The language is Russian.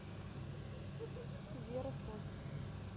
вера фокина